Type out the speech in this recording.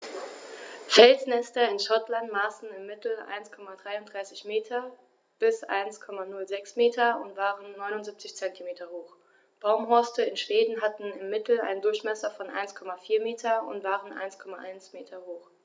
Felsnester in Schottland maßen im Mittel 1,33 m x 1,06 m und waren 0,79 m hoch, Baumhorste in Schweden hatten im Mittel einen Durchmesser von 1,4 m und waren 1,1 m hoch.